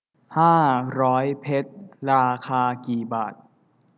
ห้าร้อยเพชรราคากี่บาท